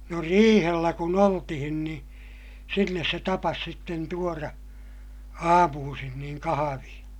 no riihellä kun oltiin niin sinne se tapasi sitten tuoda aamuisin niin kahvia